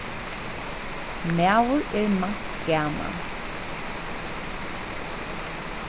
maður er mans gaman